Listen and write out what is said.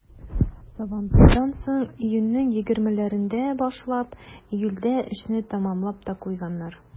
Сабантуйдан соң, июньнең егермеләрендә башлап, июльдә эшне тәмамлап та куйганнар.